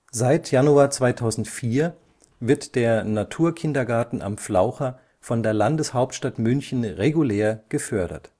Seit Januar 2004 wird der Naturkindergarten am Flaucher von der Landeshauptstadt München regulär gefördert